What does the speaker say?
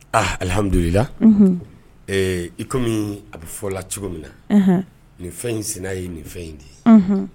Aaa alihamidu iko a bɛ fɔla cogo min na nin fɛn in sen' ye nin fɛn in de ye